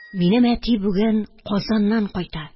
Минем әти бүген Казаннан кайта.